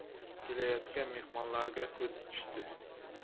kelayotgan mehmonlarga ko'zi tushdi